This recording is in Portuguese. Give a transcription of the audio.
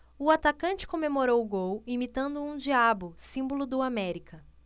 o atacante comemorou o gol imitando um diabo símbolo do américa